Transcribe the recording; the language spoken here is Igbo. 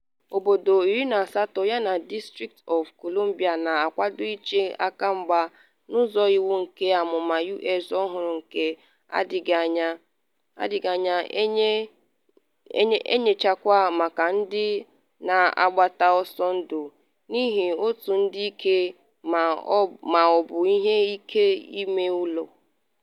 Obodo iri na asatọ yana District of Colombia na-akwado ịche aka mgba n’ụzọ iwu nke amụma U.S ọhụrụ nke anaghị enye nchekwa maka ndị na-agbata ọsọ ndụ n’ihi otu ndị ike ma ọ bụ ihe ike ime ụlọ.